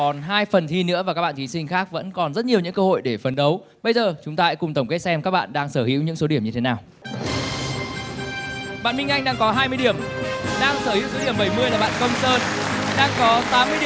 còn hai phần thi nữa và các bạn thí sinh khác vẫn còn rất nhiều những cơ hội để phấn đấu bây giờ chúng ta hãy cùng tổng kết xem các bạn đang sở hữu những số điểm như thế nào bạn minh anh đang có hai mươi điểm đang sở hữu số điểm bảy mươi là bạn công sơn đang có tám mươi điểm